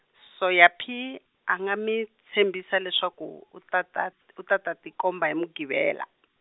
Soyaphi, a nga mi, tshembisa leswaku, u ta ta, u ta ta tikomba hi Muqhivela .